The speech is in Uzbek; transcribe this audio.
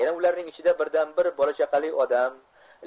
yana ularning ichida birdan bir bola chaqali odam